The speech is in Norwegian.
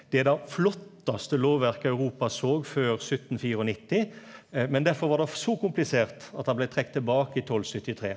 det er det flottaste lovverket Europa såg før syttennittifire, men derfor var det so komplisert at han blei trekt tilbake i tolvsyttitre.